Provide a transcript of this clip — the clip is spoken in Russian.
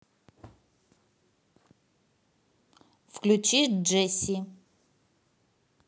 включи джесси